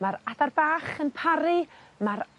Ma'r adar bach yn paru ma'r